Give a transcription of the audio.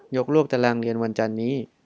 ยกเลิกตารางเรียนวันจันทร์นี้